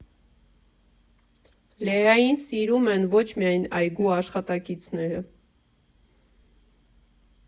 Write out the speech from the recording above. Լեային սիրում են ոչ միայն այգու աշխատակիցները։